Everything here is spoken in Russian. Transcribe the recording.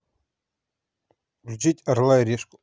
включи орла и решку